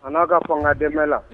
A n'a ka fanga dɛmɛ la